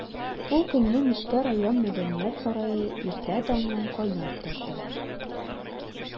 Ул көнне Мишкә район мәдәният сарае иртә таңнан кайнап торды.